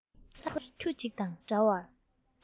འགྲོ བའི ཕོ གསར ཁྱུ གཅིག དང འདྲ བར